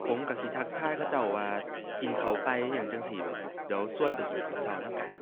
ผมก็สิทักทายเขาเจ้าว่า กินข้าวไป่อิหยังจั่งซี้แบบ เดี๋ยวก็ไปกินข้าวก็นำกัน